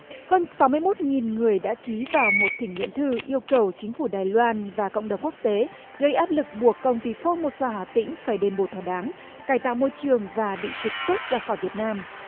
hơn sáu mươi mốt nghìn người đã ký vào một thỉnh nguyện thư yêu cầu chính phủ đài loan và cộng đồng quốc tế gây áp lực buộc công ty phoóc mô xa hà tĩnh phải đền bù thỏa đáng cải tạo môi trường và bị trục xuất ra khỏi việt nam